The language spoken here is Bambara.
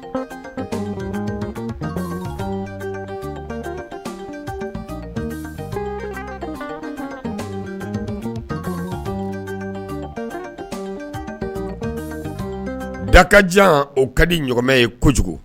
Daga kajan o ka di ɲmɛ ye kojugu